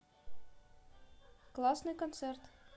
классный концерт